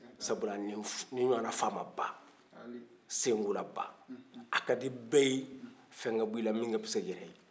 sabula ni ɲɔgɔnna faamaba senkolaba a ka di bɛɛ ye fɛn ka bɔ i la min ka fisa i yɛrɛ ye